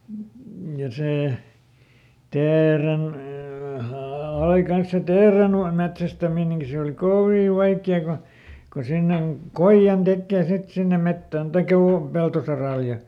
ja se - aina kanssa se - teerenmetsästäminenkin se oli kovin vaikeaa kun kun sinne koijan tekee sitten sinne metsään tai juuri peltosaralle ja